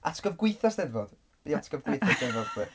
Atgof gwaethaf 'Steddfod. Be 'di atgof gwaethaf 'Steddfod chdi?